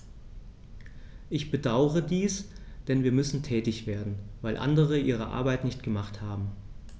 Ich bedauere dies, denn wir müssen tätig werden, weil andere ihre Arbeit nicht gemacht haben.